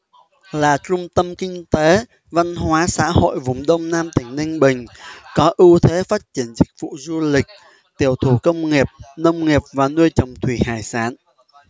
là trung tâm kinh tế văn hóa xã hội vùng đông nam tỉnh ninh bình có ưu thế phát triển dịch vụ du lịch tiểu thủ công nghiệp nông nghiệp và nuôi trồng thủy hải sản